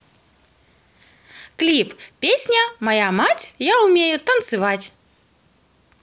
клип песня моя мать я умею танцевать